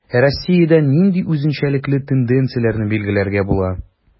Ә Россиядә нинди үзенчәлекле тенденцияләрне билгеләргә була?